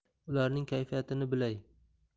ularning kayfiyatini bilay